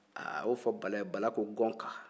aa a y'o fɔ bala ye bala ko gɔnka